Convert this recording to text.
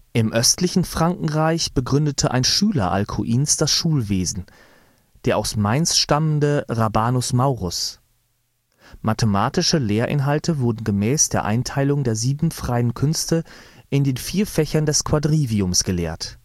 Im östlichen Frankenreich begründete ein Schüler Alkuins das Schulwesen, der aus Mainz stammende Rabanus Maurus. Mathematische Lehrinhalte wurden gemäß der Einteilung der Sieben Freien Künste in den vier Fächern des Quadriviums gelehrt